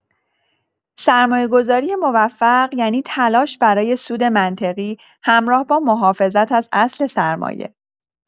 سرمایه‌گذاری موفق یعنی تلاش برای سود منطقی همراه با محافظت از اصل سرمایه.